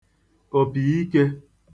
òpìikē